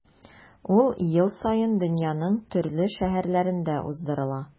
Ул ел саен дөньяның төрле шәһәрләрендә уздырыла.